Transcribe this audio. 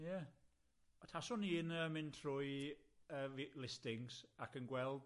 Ie, taswn i'n yy mynd trwy yy fi- listings ac yn gweld